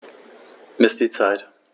Miss die Zeit.